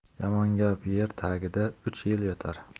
yomon gap yer tagida uch yil yotar